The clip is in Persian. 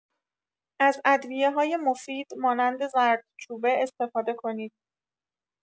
از ادویه‌های مفید مانند زردچوبه استفاده کنید.